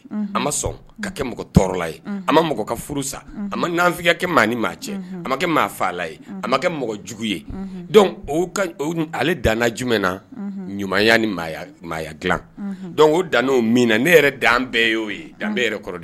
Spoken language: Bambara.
An ma sɔn ka kɛ mɔgɔ tɔɔrɔla ye a ma mɔgɔ ka furu san maanfya kɛ maa ni maa cɛ a ma kɛ maa faala ye a ma kɛ mɔgɔ jugu ye ale danana jumɛn na ɲumanya ni maaya dila o dan'o min na ne yɛrɛ dan bɛɛ ye y'o ye dan bɛɛ yɛrɛ kɔrɔ de ye